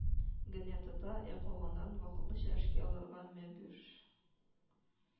Генә тота, ә калганнарын вакытлыча эшкә алырга мә бүр